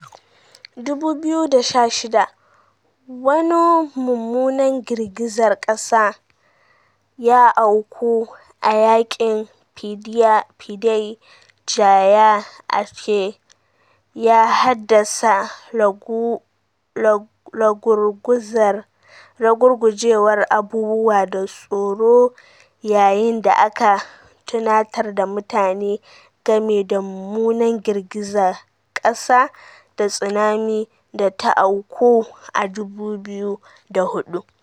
2016: Wani mummunan girgizar kasa ya auku a yankin Pidie Jaya a Aceh, ya haddasa rugurgujewar abubuwa da tsoro yayin da aka tunatar da mutane game da mummunan girgizar kasa da tsunami da ta auku a 2004.